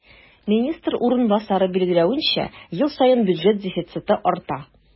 Министр урынбасары билгеләвенчә, ел саен бюджет дефициты арта.